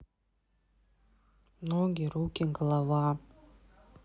ноги руки голова